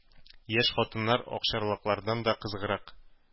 Яшь хатыннар акчарлаклардан да кызыграк,